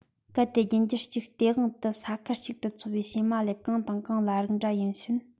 གལ ཏེ རྒྱུད འགྱུར གཅིག སྟེས དབང དུ ས ཁུལ གཅིག ཏུ འཚོ བའི ཕྱེ མ ལེབ གང དང གང ལ རིགས འདྲ ཡིན ཕྱིན